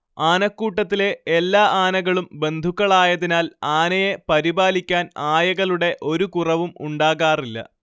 ആനക്കൂട്ടത്തിലെ എല്ലാ ആനകളും ബന്ധുക്കളായതിനാൽ ആനയെ പരിപാലിക്കാൻ ആയകളുടെ ഒരു കുറവും ഉണ്ടാകാറില്ല